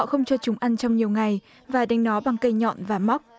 không cho chúng ăn trong nhiều ngày và đánh nó bằng cây nhọn và móc